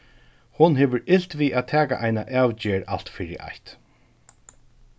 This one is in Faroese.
hon hevur ilt við at taka eina avgerð alt fyri eitt